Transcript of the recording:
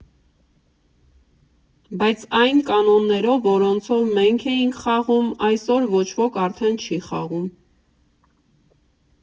Բայց այն կանոններով, որոնցով մենք էինք խաղում, այսօր ոչ ոք արդեն չի խաղում։